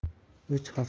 uch haftadan buyon